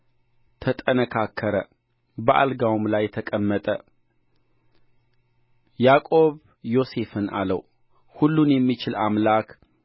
ተጠነካከረ በአልጋውም ላይ ተቀመጠ ያዕቆብ ዮሴፍን አለው ሁሉን የሚችል አምላክ